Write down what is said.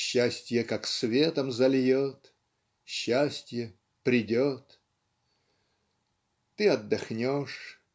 Счастье как светом зальет -- Счастье придет. . Ты отдохнешь.